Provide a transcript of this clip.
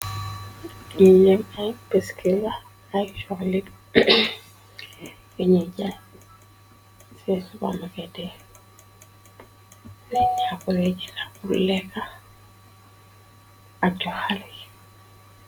Ji ngem añ peskiba aychoxlig yiñuy jay cebanoketee japle jinabu leeka acco xalyi.